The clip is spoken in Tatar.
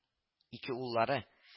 Ике уллары